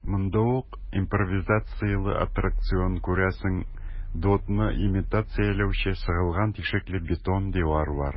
Монда ук импровизацияле аттракцион - күрәсең, дотны имитацияләүче сыгылган тишекле бетон дивар тора.